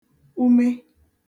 ume